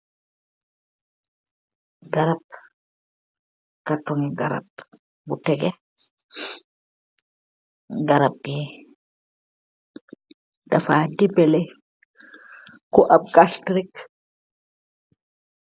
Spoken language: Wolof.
Garab, karton ngii garab bu tehgeh, garab gui dafa dimbaleh ku am gastric.